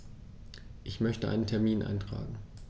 Ich möchte einen Termin eintragen.